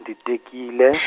ndi tekile.